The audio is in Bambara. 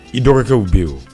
I dɔgɔkɛw bɛ yen wo